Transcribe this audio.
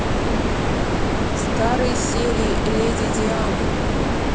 старые серии леди дианы